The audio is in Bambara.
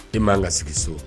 E man ka sigi so